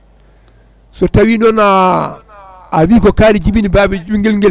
so tawi noon a wii ko kaari jibini babi ɓinguel nguel